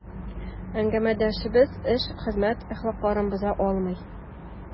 Әңгәмәдәшебез эш, хезмәт әхлагын боза алмый.